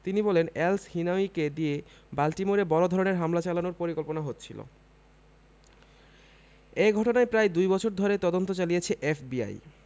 তিনি বলেন এলসহিনাউয়িকে দিয়ে বাল্টিমোরে বড় ধরনের হামলা চালানোর পরিকল্পনা হচ্ছিল এ ঘটনায় প্রায় দুই বছর ধরে তদন্ত চালিয়েছে এফবিআই